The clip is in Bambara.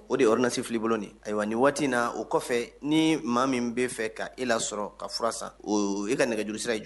O de yɔrɔr nasifili bolo ayiwa ni waati in na o kɔfɛ ni maa min bɛ fɛ ka e la sɔrɔ ka fura sa e ka nɛgɛuru sira ye